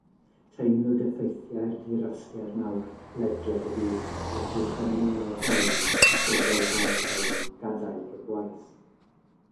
Teimlwyd effeithiau’r Dirwasgiad Mawr ledled y byd, wrth i economïau chwalu a phobol gael eu gadael heb waith.